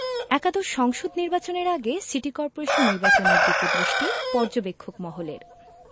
একাদশ সংসদ নির্বাচনের আগে সিটি করপোরেশন নির্বাচনের দিকে দৃষ্টি পর্যবেক্ষক মহলের